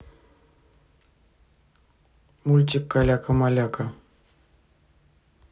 мультик каляка маляка